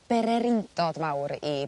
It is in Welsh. bererindod mawr i...